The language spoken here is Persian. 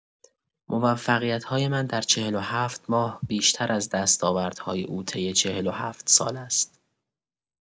موفقیت‌های من در ۴۷ ماه بیشتر از دستاوردهای او طی ۴۷ سال است.